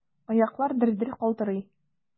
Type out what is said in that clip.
Аяклар дер-дер калтырый.